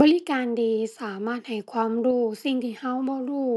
บริการดีสามารถให้ความรู้ สิ่งที่เราบ่รู้